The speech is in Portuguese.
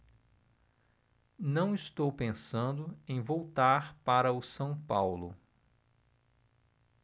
não estou pensando em voltar para o são paulo